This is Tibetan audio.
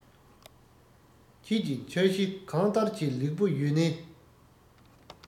ཁྱེད ཀྱི ཆ ཞི གང ལྟར གྱི ལེགས པོ ཡོད ནས